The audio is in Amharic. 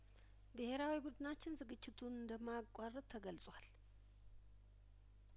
ብሄራዊ ቡድናችን ዝግጅቱን እንደማ ያቋርጥ ተገልጿል